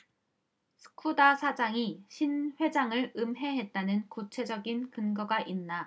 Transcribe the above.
스쿠다 사장이 신 회장을 음해했다는 구체적 근거가 있나